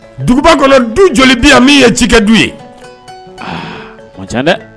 Dugubakɔ du joli bi yan min ye ci kɛ du ye ? Aa o man ca dɛ.